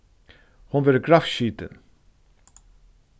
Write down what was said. hon verður gravskitin